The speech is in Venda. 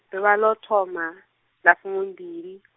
ḓuvha ḽo thoma, ḽa fumimbili .